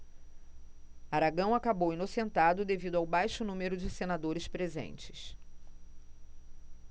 aragão acabou inocentado devido ao baixo número de senadores presentes